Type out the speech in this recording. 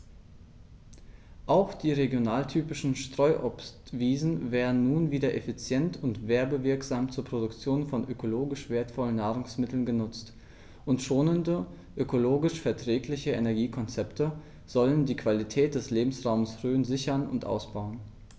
Auch die regionaltypischen Streuobstwiesen werden nun wieder effizient und werbewirksam zur Produktion von ökologisch wertvollen Nahrungsmitteln genutzt, und schonende, ökologisch verträgliche Energiekonzepte sollen die Qualität des Lebensraumes Rhön sichern und ausbauen.